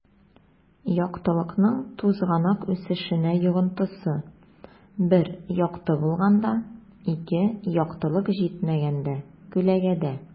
Яктылыкның тузганак үсешенә йогынтысы: 1 - якты булганда; 2 - яктылык җитмәгәндә (күләгәдә)